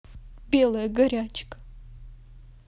белая горячка